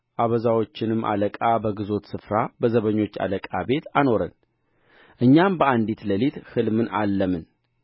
አበዛዎቹንም አለቃ በግዞት ስፍራ በዘበኞች አለቃ ቤት አኖረን እኛም በአንዲት ሌሊት ሕልምን አለምን